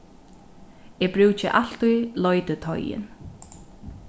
eg brúki altíð leititeigin